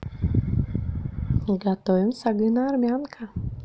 готовим сагына армянка